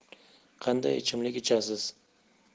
qanday ichimlik ichasiz